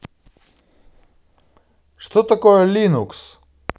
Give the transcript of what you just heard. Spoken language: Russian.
что такое линукс